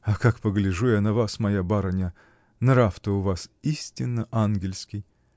А как погляжу я на вас, моя барыня, нрав-то у вас истинно ангельский